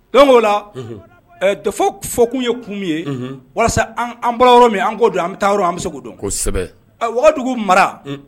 Dɔnku'o ola dɔ fo kun ye kunumu ye walasa an bɔra yɔrɔ min an k' don an bɛ taa yɔrɔ an bɛ se k' don kosɛbɛ wagadugu mara